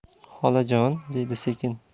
xolajon dedi sekin